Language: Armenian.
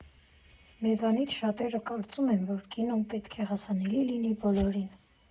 Մեզանից շատերը կարծում են, որ կինոն պետք է հասկանալի լինի բոլորին։